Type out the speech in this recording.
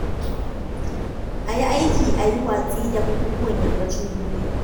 A yi aiki a yi watsi da bukukuwan Yammacin Duniya.